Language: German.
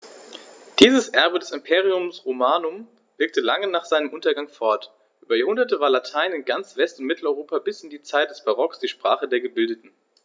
Dieses Erbe des Imperium Romanum wirkte lange nach seinem Untergang fort: Über Jahrhunderte war Latein in ganz West- und Mitteleuropa bis in die Zeit des Barock die Sprache der Gebildeten.